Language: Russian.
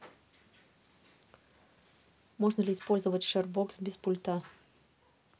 можно ли использовать sberbox без пульта